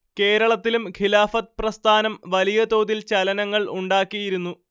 കേരളത്തിലും ഖിലാഫത്ത് പ്രസ്ഥാനം വലിയ തോതിൽ ചലനങ്ങൾ ഉണ്ടാക്കിയിരുന്നു